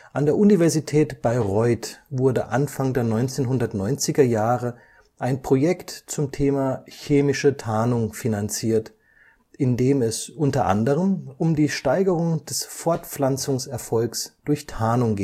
An der Universität Bayreuth wurde Anfang der 1990er Jahre ein Projekt zum Thema Chemische Tarnung finanziert, in dem es u.a. um die Steigerung des Fortpflanzungserfolgs durch Tarnung